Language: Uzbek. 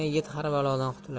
yigit har balodan qutular